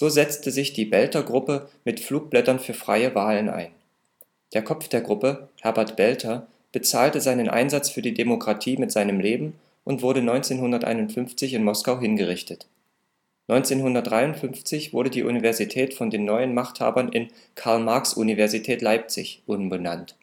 setzte sich die Belter-Gruppe mit Flugblättern für freie Wahlen ein. Der Kopf der Gruppe, Herbert Belter, bezahlte seinen Einsatz für die Demokratie mit seinem Leben und wurde 1951 in Moskau hingerichtet. 1953 wurde die Universität von den neuen Machthabern in Karl-Marx-Universität Leipzig umbenannt